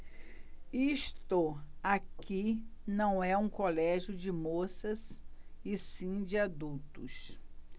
isto aqui não é um colégio de moças e sim de adultos